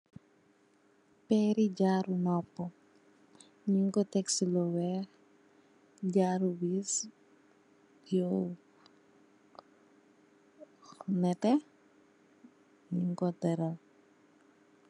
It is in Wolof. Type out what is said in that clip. Pirr le jaru nupa nyu ko tek si lu weyh. jaru yur nette nyu ko tedal.